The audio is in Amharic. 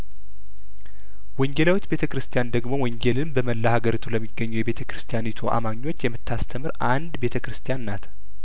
ወንጌላዊት ቤተ ክርስቲያን ደግሞ ወንጌልን በመላ አገሪቱ ለሚገኙ የቤተ ክርስቲያኒቱ አማኞች የም ታስተምር አንድ ቤተ ክርስቲያንናት